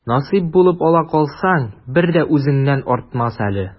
Насыйп булып ала калсаң, бер дә үзеңнән артмас әле.